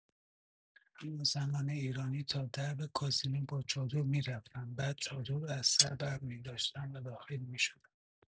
اما زنان ایرانی تا درب کازینو با چادر می‌رفتند، بعد چادر از سر برمی‌داشتند و داخل می‌شدند!